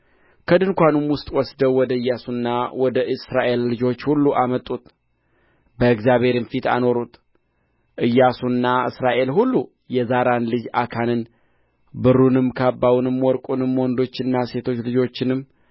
ከድንኳኑም ውስጥ ወስደው ወደ ኢያሱና ወደ እስራኤል ልጆች ሁሉ አመጡት በእግዚአብሔርም ፊት አኖሩት ኢያሱና እስራኤል ሁሉ የዛራን ልጅ አካንን ብሩንም ካባውንም ወርቁንም ወንዶችና ሴቶች ልጆቹንም